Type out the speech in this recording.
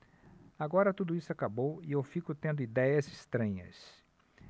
agora tudo isso acabou e eu fico tendo idéias estranhas